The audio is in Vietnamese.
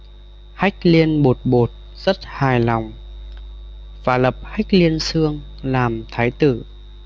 hách liên bột bột rất hài lòng và lập hách liên xương làm thái tử